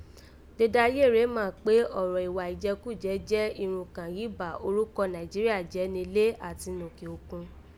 Dede ayé rèé mà kpé ọ̀rọ̀ ìwà ìjẹkújẹ jẹ́ irun kàn yìí bà orúkọ Nàìjíríà jẹ́ nílé àti nòkè òkun